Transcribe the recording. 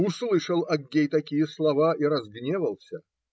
Услышал Аггей такие слова и разгневался.